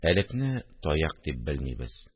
Әлепне таяк дип белмибез